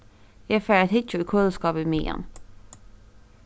eg fari at hyggja í køliskápið ímeðan